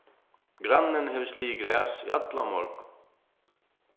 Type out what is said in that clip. grannin hevur sligið gras í allan morgun